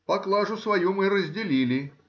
Поклажу свою мы разделили